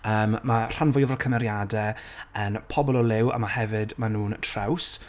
yym, ma' rhan fwyaf o'r cymeriadau, yn pobl o liw, a ma' hefyd... maen nhw'n traws.